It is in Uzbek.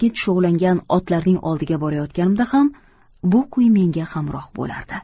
tushovlangan otlarning oldiga borayotganimda ham bu kuy menga hamroh bo'lardi